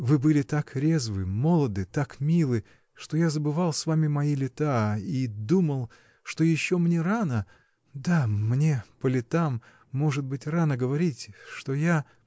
Вы были так резвы, молоды, так милы, что я забывал с вами мои лета и думал, что еще мне рано — да мне, по летам, может быть, рано говорить, что я.